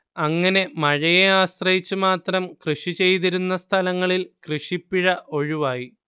അങ്ങനെ മഴയെ ആശ്രയിച്ചു മാത്രം കൃഷി ചെയ്തിരുന്ന സ്ഥലങ്ങളിൽ കൃഷിപ്പിഴ ഒഴിവായി